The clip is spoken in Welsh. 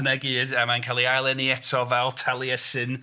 Hwnna i gyd a mae'n cael ei aileni eto fel Taliesin.